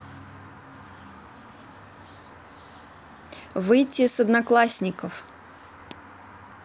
выйти с одноклассников